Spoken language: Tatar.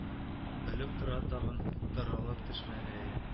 Белеп тора тагын таралып төшмәгәе